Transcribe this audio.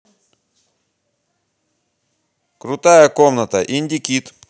крутая комната инди кит